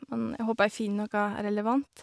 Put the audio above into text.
Men jeg håper jeg finner noe relevant.